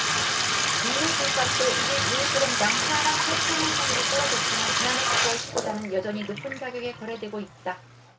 국내 금값도 일 일 일 그램당 사 만 팔천 원 선으로 떨어졌지만 지난해 칠 월 초보다는 여전히 높은 가격에 거래되고 있다